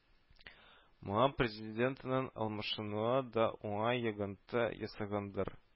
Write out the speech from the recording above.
Моңа президентның алмашынуы да уңай йогынты ясагандыр